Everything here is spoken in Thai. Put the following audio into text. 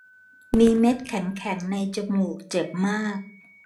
มีเม็ดแข็งแข็งในจมูกเจ็บมาก